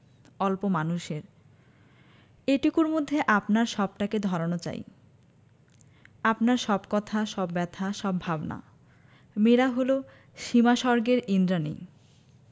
অল্প মানুষের এটুকুর মধ্যে আপনার সবটাকে ধরানো চাই আপনার সব কথা সব ব্যাথা সব ভাবনা মেয়েরা হল সীমাস্বর্গের ঈন্দ্রাণী